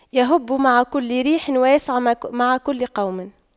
يَهُبُّ مع كل ريح ويسعى مع كل قوم